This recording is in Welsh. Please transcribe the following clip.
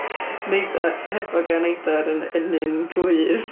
Neid- hebog a neidar yn ennyn gwydd.